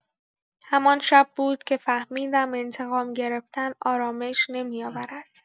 همان شب بود که فهمیدم انتقام گرفتن آرامش نمی‌آورد.